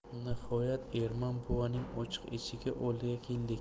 nihoyat ermon buvaning ochiq eshigi oldiga keldik